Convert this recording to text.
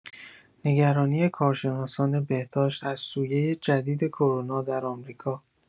نگرانی کارشناسان بهداشت از سویه جدید کرونا در آمریکا